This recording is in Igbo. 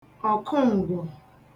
ọ̀kụǹgwọ̀